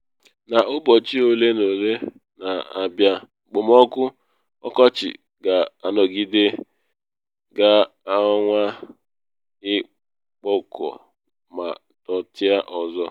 N’ụbọchị ole ma ole na abịa, ekpomọkụ ọkọchị ga-anọgide ga-anwa ịkpụkọ ma dọtịa ọzọ.